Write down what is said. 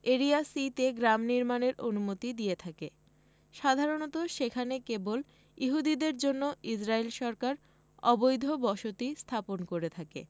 area C তে গ্রাম নির্মাণের অনুমতি দিয়ে থাকে সাধারণত সেখানে কেবল ইহুদিদের জন্য ইসরাইল সরকার অবৈধ বসতি স্থাপন করে থাকে